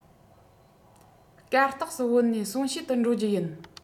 གར སྟེགས སུ བུད ནས གསུང བཤད དུ འགྲོ རྒྱུ ཡིན